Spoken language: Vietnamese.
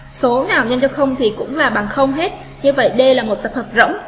số nào nhân thực không thì cũng và bằng không khí thế d là một tập hợp rỗng